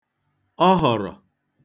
ọhọ̀rọ̀